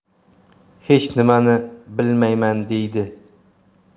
hech nimani bilmayman deydi